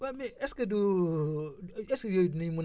waa mais est ce que du est ce yooyu dinañ mën a